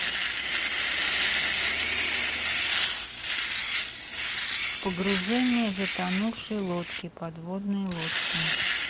погружение затонувшей лодки подводные лодки